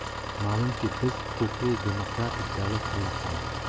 ma'lumki biz huquqiy demokratik davlat qurmoqdamiz